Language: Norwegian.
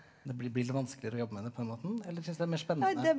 det blir det vanskeligere å jobbe med det på den måten eller synes det er mer spennende?